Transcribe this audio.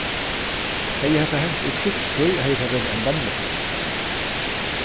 hevði hetta hent í krígstíð hevði tað verið ein vanlukka